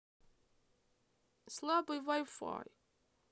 слабый вай фай